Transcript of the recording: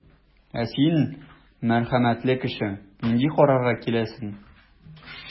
Ә син, мәрхәмәтле кеше, нинди карарга киләсең?